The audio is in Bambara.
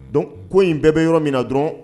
Dɔn ko in bɛɛ bɛ yɔrɔ min na dɔrɔn